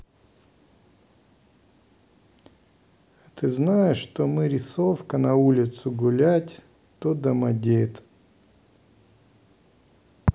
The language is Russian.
а ты знаешь что мы рисовка на улицу гулять то домодед